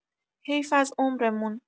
حیف از عمرمون